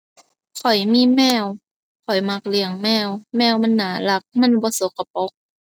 ข้อยมีแมว ข้อยมักเลี้ยงแมว แมวมันน่ารัก มันบ่สกปรก